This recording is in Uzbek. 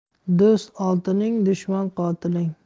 do'st oltining dushman qotiling